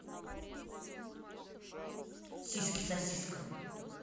сиськи сосиска